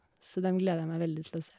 Så dem gleder jeg meg veldig til å se.